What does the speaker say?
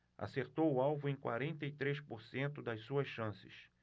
acertou o alvo em quarenta e três por cento das suas chances